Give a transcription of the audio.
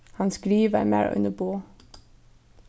hann skrivaði mær eini boð